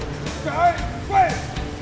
ra đời